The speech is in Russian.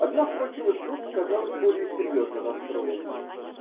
Одна, впрочем, из групп оказалась более серьезно настроенной.